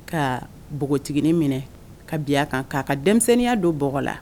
Ka npogotigi minɛ ka bila kan k'a ka denmisɛnninya don bɔgɔ la